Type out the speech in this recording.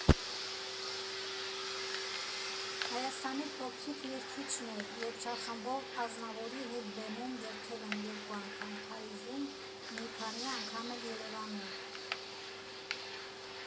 «Հայաստանի փոքրիկ երգիչներ» երգչախմբով Ազնավուրի հետ բեմում երգել եմ երկու անգամ Փարիզում, մի քանի անգամ էլ Երևանում.